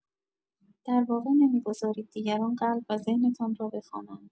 در واقع نمی‌گذارید دیگران قلب و ذهنتان را بخوانند.